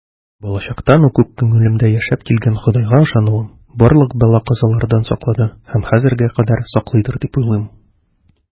Балачактан ук күңелемдә яшәп килгән Ходайга ышануым барлык бәла-казалардан саклады һәм хәзергә кадәр саклыйдыр дип уйлыйм.